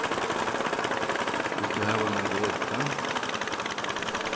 vilt tú hava nakað at eta